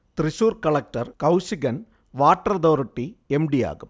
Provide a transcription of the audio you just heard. Thrissur collector Kaushigan water authority M. D. യാകും